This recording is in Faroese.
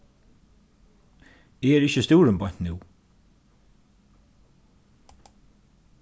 eg eri ikki stúrin beint nú